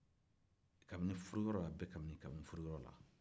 kabini furuyɔrɔ la a bɛ kabini furuyɔrɔ la